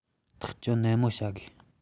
ཐག གཅོད ནན པོ བྱ དགོས